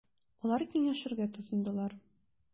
Алар киңәшергә тотындылар.